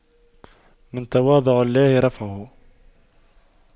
من تواضع لله رفعه